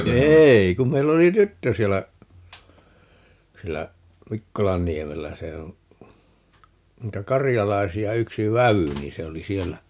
ei kun meillä oli tyttö siellä siellä Mikkolanniemellä se on niitä karjalaisia yksi vävy niin se oli siellä